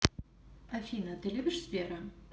афина а ты любишь сбера